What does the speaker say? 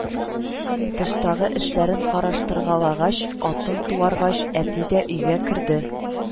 Тыштагы эшләрен караштыргалагач, атын туаргач, әти дә өйгә керде